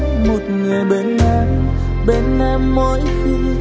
một người bên em bên em mỗi khi